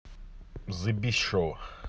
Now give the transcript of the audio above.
збс шоу